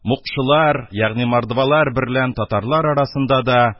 Мукшылар ягъни мордвалар берлән татарлар арасында